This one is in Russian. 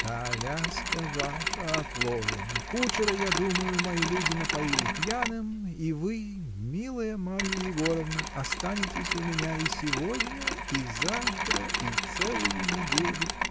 — Коляска ваша отложена, кучера, я думаю, мои люди напоили пьяным, и вы, милая Марья Егоровна, останетесь у меня и сегодня, и завтра, и целую неделю.